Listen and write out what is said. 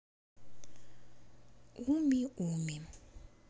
уми уми